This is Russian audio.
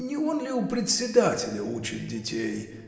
не он ли у председателя учит детей?